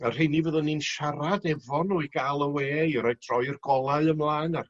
a rheini fyddwn ni'n siarad efo n'w i ga'l y we i roi troi'r golau ymlaen a'r